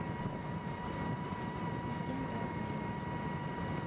легенда о пианисте